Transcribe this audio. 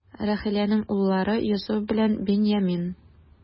Рахиләнең уллары: Йосыф белән Беньямин.